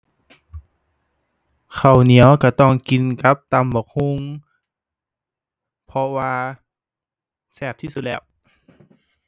ข้าวเหนียวก็ต้องกินกับตำบักหุ่ง เพราะว่าแซ่บที่สุดแล้ว